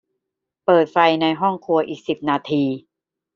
เปิดไฟในห้องครัวอีกสิบนาที